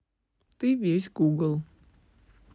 ты весь google